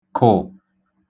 kụ̀